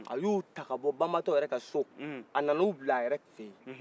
a y'o ta kabɔ banbatɔ yɛrɛ ka so a nan'u bila a yɛrɛ feyi